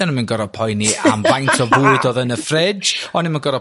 oni'm y n goro poeni am faint o fwyd o'dd yn y ffrij oni'm yn goro